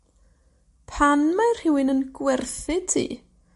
Pan mae rhywun yn gwerthu tŷ,